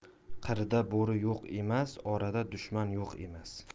qirda bo'ri yo'q emas orada dushman yo'q emas